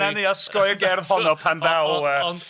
Wnawn ni osgoi y cerdd honno pan ddaw yy...